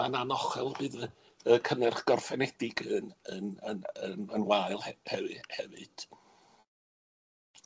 ma'n anochel y bydd y y cynnyrch gorffenedig yn yn yn yn yn wael he- hefy- hefyd.